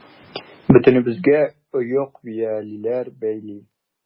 Бөтенебезгә оек-биялиләр бәйли.